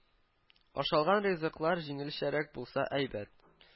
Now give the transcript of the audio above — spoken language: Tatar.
Ашалган ризыклар җиңелчәрәк булса әйбәт